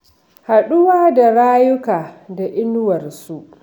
Haɗuwa da rayuka da inuwarsu